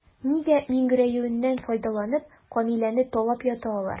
Нигә миңгерәюеннән файдаланып, Камиләне талап ята алар?